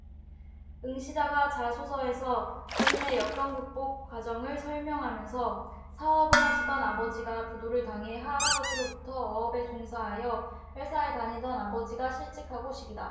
응시자가 자소서에서 본인의 역경 극복 과정을 설명하면서 사업을 하시던 아버지가 부도를 당해 할아버지부터 어업에 종사하여 회사에 다니던 아버지가 실직하고 식이다